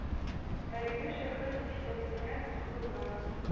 Әлеге шәхес истәлегенә куелган